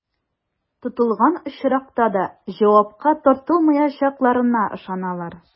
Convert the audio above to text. Тотылган очракта да җавапка тартылмаячакларына ышаналар.